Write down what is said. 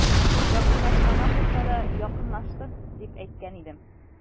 Якынлашмаган булса да, якынлашсын, дип әйткән идем.